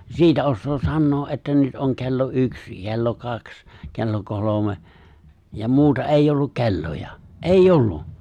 siitä osaa sanoa että nyt on kello yksi kello kaksi kello kolme ja muuta ei ollut kelloja ei ollut